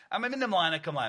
A mae'n mynd ymlaen ac ymlaen.